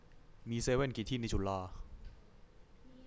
มีเซเว่นกี่ที่ในจุฬา